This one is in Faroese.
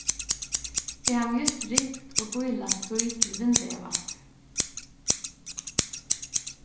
eg havi júst ringt og bílagt tíð til vindeygavask